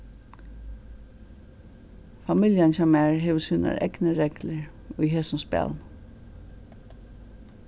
familjan hjá mær hevur sínar egnu reglur í hesum spælinum